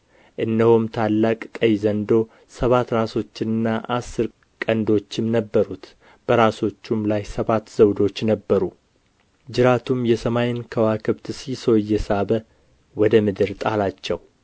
እነሆም ታላቅ ቀይ ዘንዶ ሰባት ራሶችና አሥር ቀንዶችም ነበሩት በራሶቹም ላይ ሰባት ዘውዶች ነበሩ ጅራቱም የሰማይን ከዋክብት ሲሶ እየሳበ ወደ ምድር ጣላቸው